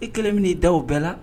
I kɛlen m i da bɛɛ la